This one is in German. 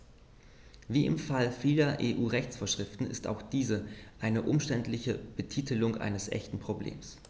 Wie im Fall vieler EU-Rechtsvorschriften ist auch dies eine umständliche Betitelung eines echten Problems.